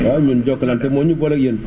waaw ñun Jokalante moo ñu booleeg yée